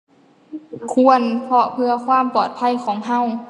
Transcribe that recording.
ควร เพราะเพื่อความปลอดภัยของเรา